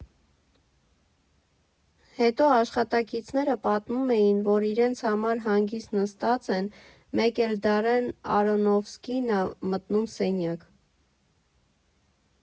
Հետո աշխատակիցները պատմում էին, որ իրենց համար հանգիստ նստած են, մեկ էլ Դարեն Արոնոֆսկին ա մտնում սենյակ։